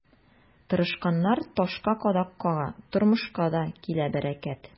Тырышканнар ташка кадак кага, тормышка да килә бәрәкәт.